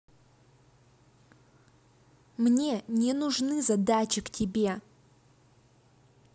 мне не нужны задачи к тебе